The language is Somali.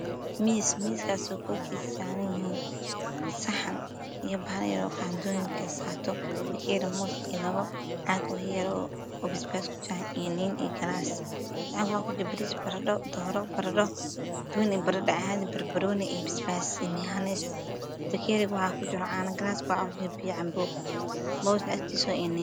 Waa miis waxaa saaran saxan iyo qaadooyin, fargeento. Moos, caag yaryar oo basbaas kujiro iyo liin , galaas. Saxanka waxaa kujiro bariis, baradho, dooro, banbanooni iyo basbaas iyo miyuneys. Bakeeriga waxaa kujiro caano, galaaska waxaa kujiro cabitaan.